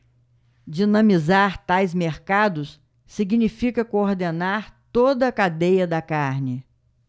dinamizar tais mercados significa coordenar toda a cadeia da carne